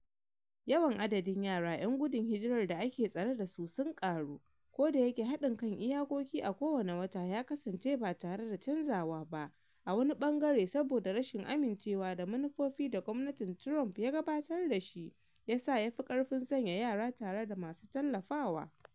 Yawan adadin yara 'yan gudun hijirar da ake tsare da su sun karu ko da yake haɗin kan iyakoki a kowane wata ya kasance ba tare da canzawa ba, a wani bangare saboda rashin amincewa da manufofi da gwamnatin Trump ya gabatar da shi ya sa ya fi ƙarfin sanya yara tare da masu tallafawa.